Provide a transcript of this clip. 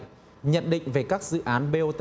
nhận định về các dự án bot